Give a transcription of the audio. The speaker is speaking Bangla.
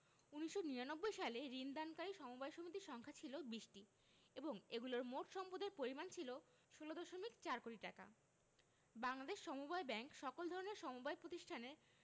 ১৯৯৯ সালে ঋণ দানকারী সমবায় সমিতির সংখ্যা ছিল ২০টি এবং এগুলোর মোট সম্পদের পরিমাণ ছিল ১৬দশমিক ৪ কোটি টাকা বাংলাদেশ সমবায় ব্যাংক সকল ধরনের সমবায় প্রতিষ্ঠানে